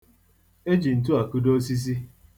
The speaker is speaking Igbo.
E ji ntu akpọdo osisi.